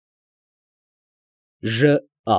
ԺԱ։